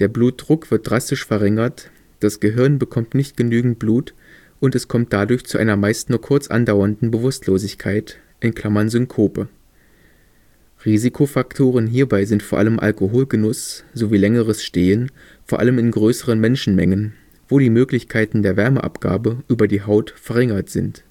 Blutdruck wird drastisch verringert, das Gehirn bekommt nicht genügend Blut und es kommt dadurch zu einer meist nur kurz andauernden Bewusstlosigkeit (Synkope). Risikofaktoren hierbei sind vor allem Alkoholgenuss sowie längeres Stehen, vor allem in größeren Menschenmengen, wo die Möglichkeiten der Wärmeabgabe über die Haut verringert sind